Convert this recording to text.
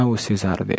u sezar edi